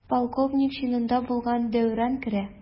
Полковник чинында булган Дәүран керә.